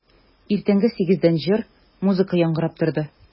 Иртәнге сигездән җыр, музыка яңгырап торды.